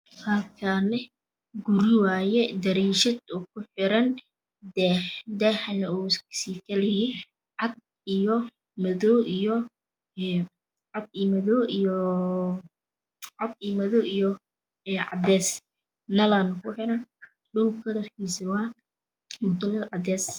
Halkaani gurya waayo dariishad oo ku xiran daah dahana sii kalyahee cad iyo madow iyo cadees nalaana ku xiran dhulka kalrkiisana waa mutaleel cadees